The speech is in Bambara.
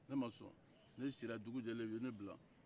ne ma sɔn ne sira dugu jɛlen o ye ne bila